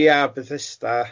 Ia Bethesda.